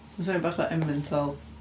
Ma'n swnio bach fatha emmental.